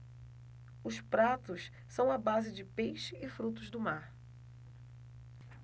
os pratos são à base de peixe e frutos do mar